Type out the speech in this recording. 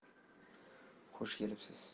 xush kelibsiz